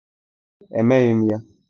Emeghị m ya."